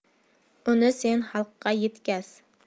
uni sen xalqqa yetkaz